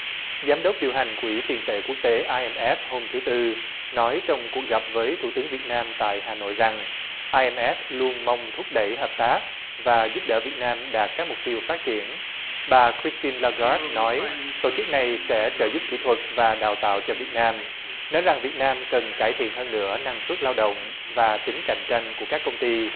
giám đốc điều hành quỹ tiền tệ quốc tế ai em ép hôm thứ tư nói trong cuộc gặp với thủ tướng việt nam tại hà nội rằng ai em ép luôn mong thúc đẩy hợp tác và giúp đỡ việt nam đạt các mục tiêu phát triển bà cờ rít tin la gát nói tổ chức này sẽ trợ giúp kỹ thuật và đào tạo cho việt nam nói rằng việt nam cần cải thiện hơn nữa năng suất lao động và tính cạnh tranh của các công ty